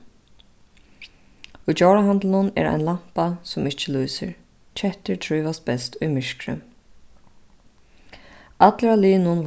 í djórahandlinum er ein lampa sum ikki lýsir kettur trívast best í myrkri allir á liðnum